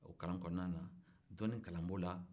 o kalan kɔnɔna na dɔnni kalan b'o la